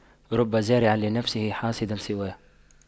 رب زارع لنفسه حاصد سواه